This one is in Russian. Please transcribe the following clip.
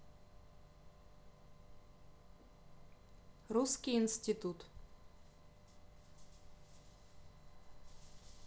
русский институт